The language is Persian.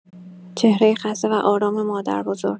چهره خسته و آرام مادربزرگ